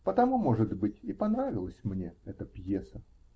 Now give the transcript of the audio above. Потому, может быть, и понравилась мне эта пьеса.